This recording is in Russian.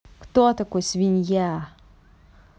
кто такой свинья